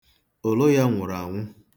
Ụlụ ya nwụrụ anwụ.